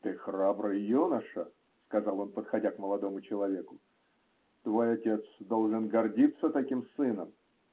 -- Ты храбрый юноша, -- сказал он, подходя к молодому человеку, -- твой отец должен гордиться таким сыном.